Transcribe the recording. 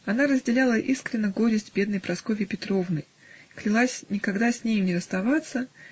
она разделяла искренно горесть бедной Прасковьи Петровны, клялась никогда с нею не расставаться